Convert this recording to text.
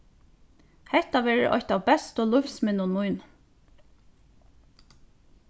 hetta verður eitt av bestu lívsminnum mínum